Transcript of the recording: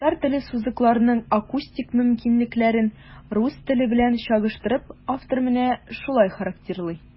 Татар теле сузыкларының акустик мөмкинлекләрен, рус теле белән чагыштырып, автор менә шулай характерлый.